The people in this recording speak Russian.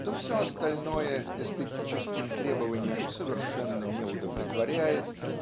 то все остальное эстетическим требованиям совершенно не удовлетворяет